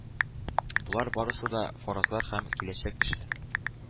Болар барысы да – фаразлар һәм киләчәк эше.